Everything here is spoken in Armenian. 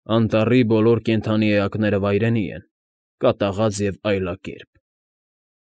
Անտառի բոլոր կենդանի էակները վայրենի են, կատաղած և այլակերպ։